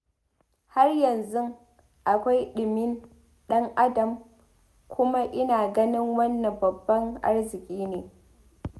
Har yanzu akwai ɗimin ɗan-adam kuma ina ganin wannan babban arziki ne.